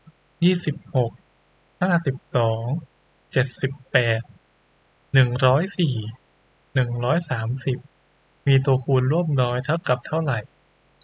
ยี่สิบหกห้าสิบสองเจ็ดสิบแปดหนึ่งร้อยสี่หนึ่งร้อยสามสิบมีตัวคูณร่วมน้อยเท่ากับเท่าไหร่